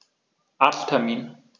Arzttermin